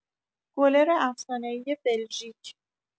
گلر افسانه‌ای بلژیک